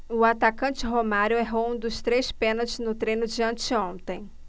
o atacante romário errou um dos três pênaltis no treino de anteontem